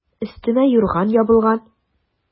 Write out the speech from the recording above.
Өстемә юрган ябылган.